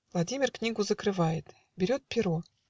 Владимир книгу закрывает, Берет перо